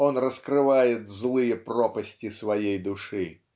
он раскрывает злые пропасти своей души.